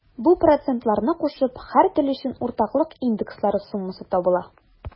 Бу процентларны кушып, һәр тел өчен уртаклык индекслары суммасы табыла.